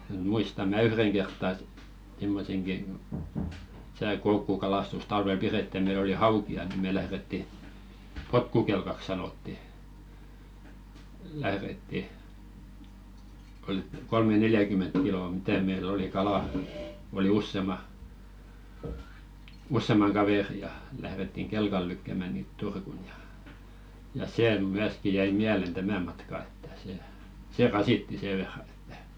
muistan minä yhden kertaa että semmoisenkin tässä koukkukalastusta talvella pidettiin ja meillä oli haukia niin me lähdettiin potkukelkaksi sanottiin lähdettiin oli kolme-neljäkymmentä kiloa mitä meillä oli kalaa oli useamman useamman kaverin ja lähdettiin kelkalla lykkäämään niitä Turkuun ja ja se myöskin jäi mieleen tämä matka että se se rasitti sen verran että